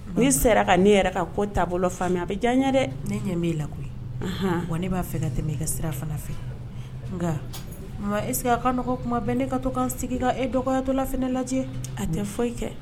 N sera ka ne yɛrɛ ka ko taabolo faamu, a bɛ diya ne ye dɛ, ne ɲɛ b'e la koyi, wa ne b'a fɛ ka tɛmɛ e ka sira fana fɛ, nka Maman est que a ka nɔgɔ kuma bɛɛ ne ka n sigi k'e dɔgɔyatɔ la lajɛ, a tɛ foyi kɛ.